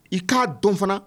I k'a dɔn fana